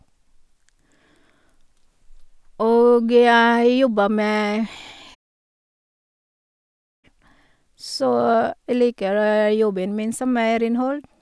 Og jeg jobber med Så jeg liker jobben min som er renhold.